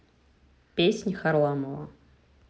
песни харламова